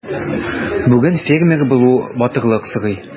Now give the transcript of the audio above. Бүген фермер булу батырлык сорый.